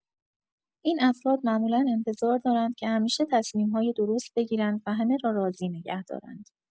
این افراد معمولا انتظار دارند که همیشه تصمیم‌های درست بگیرند و همه را راضی نگه دارند.